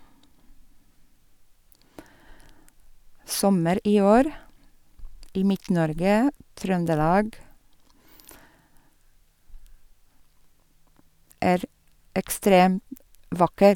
Sommer i år i Midt-Norge, Trøndelag, er ekstrem vakker.